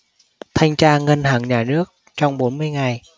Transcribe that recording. thanh tra ngân hàng nhà nước trong bốn mươi ngày